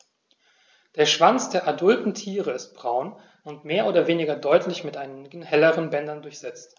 Der Schwanz der adulten Tiere ist braun und mehr oder weniger deutlich mit einigen helleren Bändern durchsetzt.